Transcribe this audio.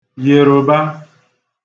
Yèròba